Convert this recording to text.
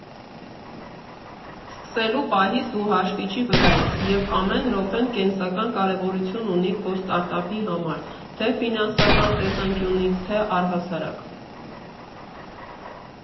Սկսելու պահից դու հաշվիչի վրա ես և ամեն րոպեն կենսական կարևորություն ունի քո ստարտափի համար, թե՛ ֆինանսական տեսանկյունից, թե՛ առհասարակ։